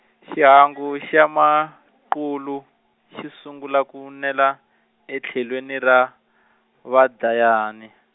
xihangu xa, maqulu, xi, sungula ku nela, etlhelweni ra, vadlayani.